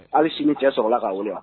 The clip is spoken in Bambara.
Hali sini cɛ sɔrɔla k'a wuli a